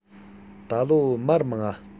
ད ལོ མར མང